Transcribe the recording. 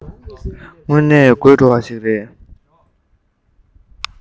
དངོས གནས དགོད བྲོ བ ཞིག རེད